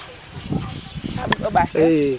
xar bug o ɓaat teen.